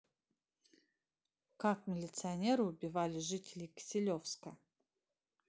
как милиционеры убивали жителей киселевска